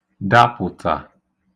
dāpụ̀tà